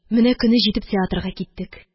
Менә көне җитеп, театрга киттек.